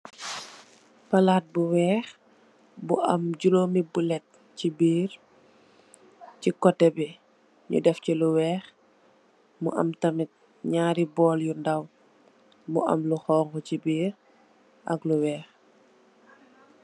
Palat bu wèèx bu am jurom mi bullet ci biir, ci koteh bi ñi dèf ci lu wèèx, mu am tamit ñaari bool yu ndaw bu am lu xonxu ci biir ak lu wèèx.